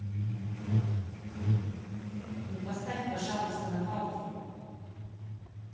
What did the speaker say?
ну поставь пожалуйста на паузу